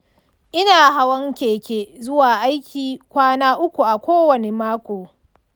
ina hawan keke zuwa aiki kwana uku a kowane mako.